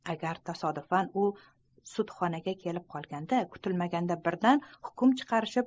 agar tasodifan u sudxonaga kelib qolganda kutilmaganda birdan hukm chiqarishib